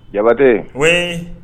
Jabatɛ we